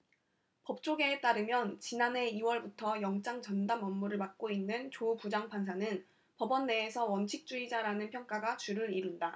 법조계에 따르면 지난해 이 월부터 영장전담 업무를 맡고 있는 조 부장판사는 법원 내에서 원칙주의자라는 평가가 주를 이룬다